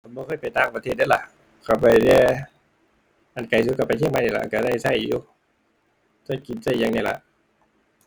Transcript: ผมบ่เคยไปต่างประเทศเดะละ ก็ไปแต่ อันไกลสุดก็ไปเชียงใหม่นี่ล่ะ ก็ได้ก็อยู่ ก็กินก็หยังนี่ล่ะ